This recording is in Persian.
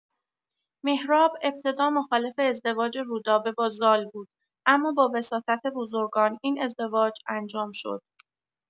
مهراب ابتدا مخالف ازدواج رودابه با زال بود اما با وساطت بزرگان، این ازدواج انجام شد.